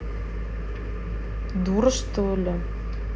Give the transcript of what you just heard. дура что ли